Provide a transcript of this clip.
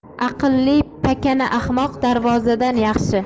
aqlli pakana ahmoq darozdan yaxshi